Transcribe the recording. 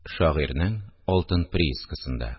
Шагыйрьнең алтын приискасында